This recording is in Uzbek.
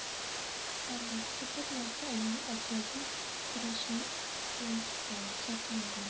bandasiga bir narsa ayon azaliy kurashning intihosi qiyomat